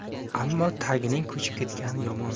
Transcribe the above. ammo tagining ko'chib ketgani yomon